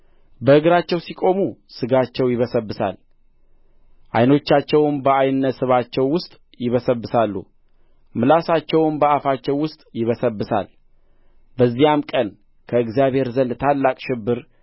በእግራቸው ሲቆሙ ሥጋቸው ይበሰብሳል ዓይኖቻቸውም በዓይነስባቸው ውስጥ ይበሰብሳሉ ምላሳቸውም በአፋቸው ውስጥ ይበሰብሳል በዚያም ቀን ከእግዚአብሔር ዘንድ ታላቅ ሽብር